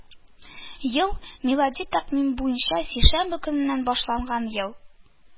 Ел – милади тәкъвиме буенча сишәмбе көненнән башланган ел